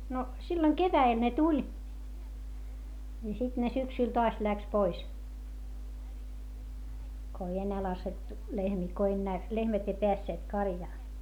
no silloin keväällä ne tuli ja sitten ne syksyllä taas lähti pois kun ei enää laskettu lehmiä kun enää lehmät ei päässeet karjaan